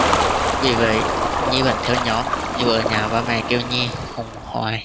vì vậy nhi vẫn theo nhóm dù ở nhà ba mẹ kêu nhi khùng hoài